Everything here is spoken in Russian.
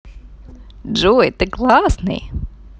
джой ты классный